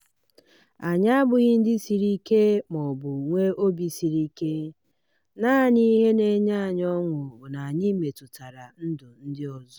Anyị abụghị ndị siri ike maọbụ nwee obi isiike... naanị ihe na-enye anyị ọṅụ bụ na anyị metụtara ndụ ndị ọzọ.